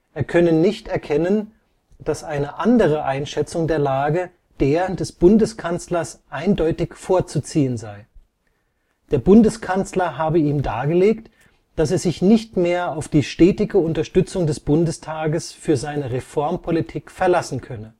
Er könne nicht erkennen, dass eine andere Einschätzung der Lage der des Bundeskanzlers eindeutig vorzuziehen sei. Der Bundeskanzler habe ihm dargelegt, dass er sich nicht mehr auf die stetige Unterstützung des Bundestages für seine Reformpolitik verlassen könne